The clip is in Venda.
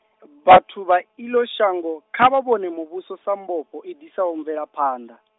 vhathu vha iḽo shango, kha vha vhone muvhuso sa mbofho i ḓisaho mvelaphanḓa.